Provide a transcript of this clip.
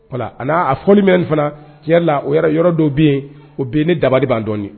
A'a fɔ mɛn fana tiɲɛ la o yɔrɔ don bɛ yen o bɛ yen ne dabali de ban dɔɔninɔni